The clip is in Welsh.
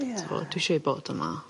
Ie. T'wo' dwi isio 'i bod yma.